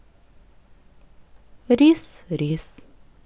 рис рис